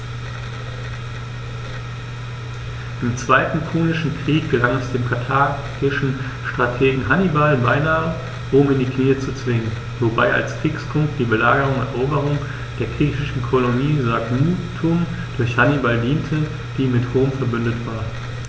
Im Zweiten Punischen Krieg gelang es dem karthagischen Strategen Hannibal beinahe, Rom in die Knie zu zwingen, wobei als Kriegsgrund die Belagerung und Eroberung der griechischen Kolonie Saguntum durch Hannibal diente, die mit Rom „verbündet“ war.